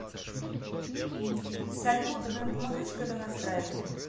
салют а ты нам помогаешь когда настраивали